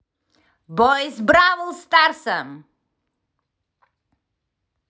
boys бравл старса